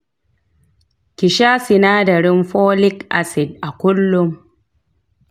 ki sha sinadarin folic acid a kullun.